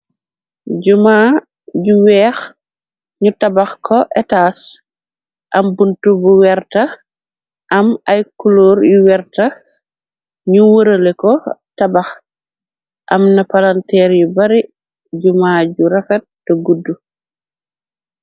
Jumaa ju weex ñu tabax ko etas am bunt bu werta am ay kuloor yu wertas ñu wërale ko tabax am na palanteer yu bare jumaa ju refet te gudd.